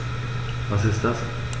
Was ist das?